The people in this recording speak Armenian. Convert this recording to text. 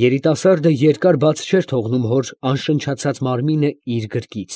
Երիտասարդը երկար բաց չէր թողնում հոր անշնչացած մարմինը իր գրկից.